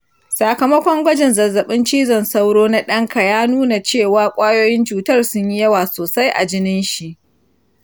sakamakon gwajin zazzabin cizon sauro na ɗanka ya nuna cewa ƙwayoyin cutar sun yi yawa sosai a jini shi.